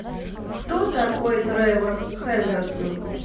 кто такой тревор хендерсон